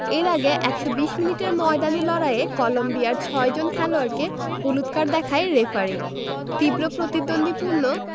এর আগে ১২০ মিনিটের ময়দানি লড়াইয়ে কলম্বিয়ার ছয়জন খেলোয়াড়কে হলুদ কার্ড দেখায় রেফারি তীব্র প্রতিদ্বন্দ্বিপূর্ণ